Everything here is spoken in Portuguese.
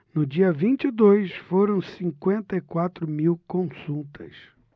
no dia vinte e dois foram cinquenta e quatro mil consultas